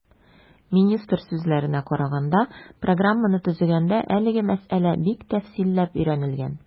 Министр сүзләренә караганда, программаны төзегәндә әлеге мәсьәлә бик тәфсилләп өйрәнелгән.